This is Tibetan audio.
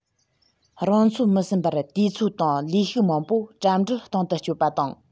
རང ཚོད མི ཟིན པར དུས ཚོད དང ལུས ཤུགས མང པོ དྲ འབྲེལ སྟེང དུ སྤྱོད པ དང